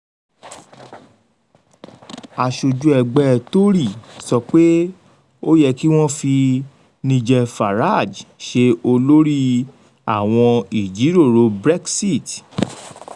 Tory MP sọ wí pé NIGEL FARAGE yẹ ki o wa ni iṣakoso fun awọn ijiroro Brexit